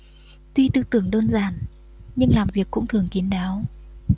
tuy tư tưởng đơn giản nhưng làm việc cũng thường kín đáo